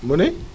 mu ne